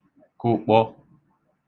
kụ̄kpọ̄